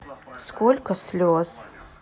сколько слез